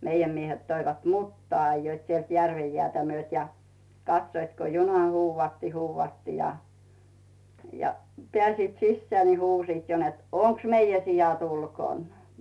meidän miehet toivat mutaa ajoivat sieltä järven jäätä myöten ja katsoivat kun juna huudatti huudatti ja ja pääsivät sisään niin huusivat jo että onko meidän siat ulkona